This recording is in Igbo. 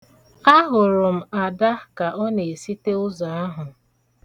Ahụrụ m Ada ka ọ na-esite ụzọ ahụ.